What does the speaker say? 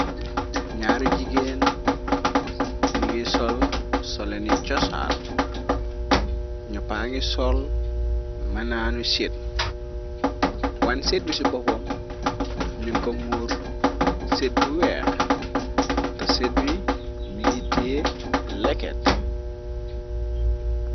ñaaru jigéen ningi sol sole ni cosaan ñu pa ngi sol mënaanu sit waan sit bi ci boppoom ñun ko muur sit bu weex te sét bi mi ngi tee leket